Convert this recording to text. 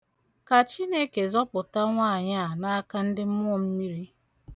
Ka Chineke zọpụta nwaanyị a n'aka ndị mmụọmmiri.